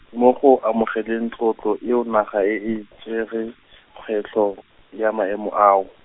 mo go amogeleng tlotlo eo naga e e, tsere, kgwetlho, ya maemo ao.